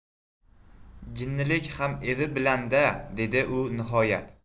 jinnilik ham evi bilan da dedi u nihoyat